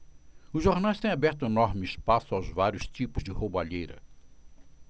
os jornais têm aberto enorme espaço aos vários tipos de roubalheira